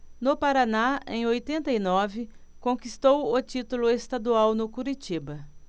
no paraná em oitenta e nove conquistou o título estadual no curitiba